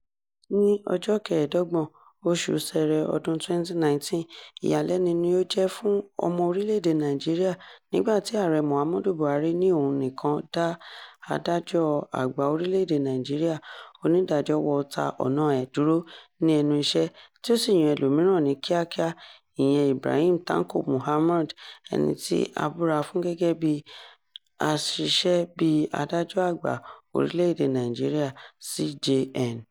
Ní ọjọ́ 25, oṣù Ṣẹrẹ ọdún-un 2019, ìyàlẹ́nu ni ó jẹ́ fún ọmọ orílẹ̀-èdè Nàìjíríà nígbà tí Ààrẹ Muhammad Buhari ní òun nìkan dá Adájọ́ Àgbà Orílẹ̀-èdè Nàìjíríà, Onídàájọ́ Walter Onnoghen dúró ní ẹnu iṣẹ́, tí ó sì yan ẹlòmíràn ní kíákíá, ìyẹn Ibrahim Tanko Muhammad ẹni tí a búra fún gẹ́gẹ́ bíi aṣiṣẹ́ bíi Adájọ́ Àgbà Orílẹ̀-èdè Nàìjíríà (CJN).